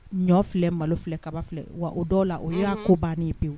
Ɲɔ filɛ, malo filɛ, kaba filɛ, wa o dɔw la. Unhun. o y'a ko banni ye pewu.